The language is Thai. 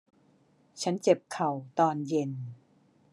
ฉันเจ็บเข่าตอนเย็น